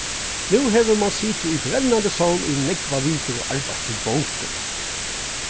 nú hevur mann sitið í brennandi sól í nógvar vikur og arbeitt við bókum